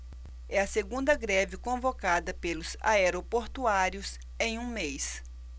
é a segunda greve convocada pelos aeroportuários em um mês